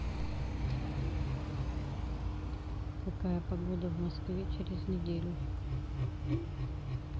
какая погода в москве через неделю